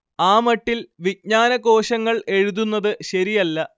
ആ മട്ടിൽ വിജ്ഞാനകോശങ്ങൾ എഴുതുന്നത് ശരിയല്ല